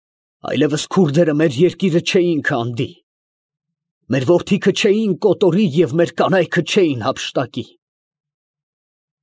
Այլևս քուրդերը մեր երկիրը չէին քանդի, մեր որդիքը չէին կոտորի և մեր կանայքը չէին հափշտակի…։